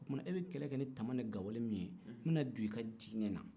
mun na e bɛ kɛlɛ kɛ ni tama ni gawalo ye n bɛna don i ka dinɛ na